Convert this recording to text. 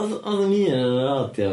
O'dd o'dd yn unan yn od iawn.